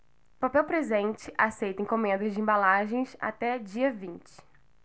a papel presente aceita encomendas de embalagens até dia vinte